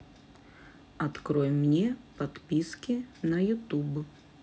открой мне подписки на ютуб